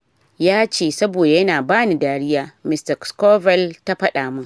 “Yace, “Saboda yana bani dariya,” Mr. Scovell ta faɗa mun.